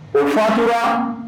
Ko fatura